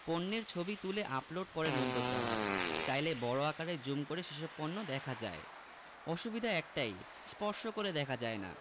পণ্যের ছবি তুলে আপলোড করেন উদ্যোক্তারা চাইলে বড় আকারে জুম করে সেসব পণ্য দেখা যায় অসুবিধা একটাই স্পর্শ করে দেখা যায় না